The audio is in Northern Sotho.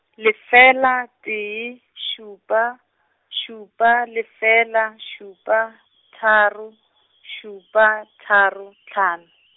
lefela, tee, šupa, šupa, lefela, šupa, tharo, šupa, tharo, hlano.